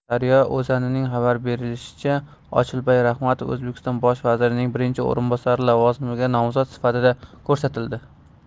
daryo o'zaning xabar berishicha ochilboy ramatov o'zbekiston bosh vazirining birinchi o'rinbosari lavozimiga nomzod sifatida ko'rsatildi